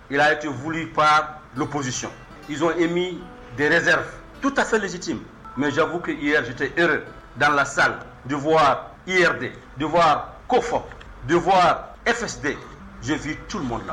Iretiugu pa psiczson emi dezeri tutafelisiti mɛ zffu ite dala sa defɔwa i yɛrɛ de defɔwa ko fɔ defɔwa efɛte zfi tu mɔnɔnila